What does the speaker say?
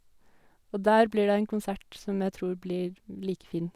Og der blir det en konsert som jeg tror blir like fin.